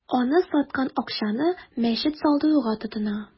Аны саткан акчаны мәчет салдыруга тотына.